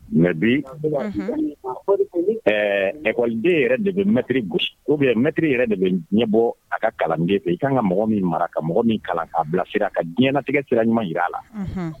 Mɛdikɔden yɛrɛ de bɛtiri u bɛ mɛtiri yɛrɛ de bɛ diɲɛ bɔ a ka kalanden i ka kan ka mɔgɔ min mara ka mɔgɔ ka bilasira ka diɲɛtigɛ sira ɲuman jira a la